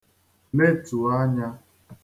letuo anya